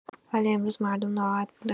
ولی امروز مردم ناراحت بودن.